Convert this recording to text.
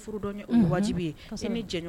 Furudɔn ye waatijibi ye ni